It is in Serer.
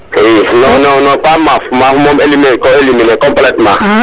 i non non pa maaf maafo moom ko éliminer kan completement